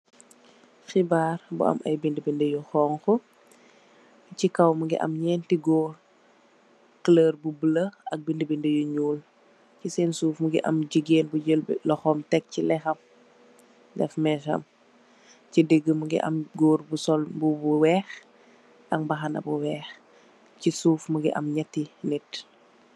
Xibaar bu am ay binda binda yu xonxu si kaw mogi am neenti goor colurr bu bulu ak binda binda yu nuul si sen suuf mongi am jigeen bu jeel loxom tek si lexam def messam si digi mongi am góor bu sol mbubu bu weex ak mbahana bu weex si suuf mongi am neeti nitt.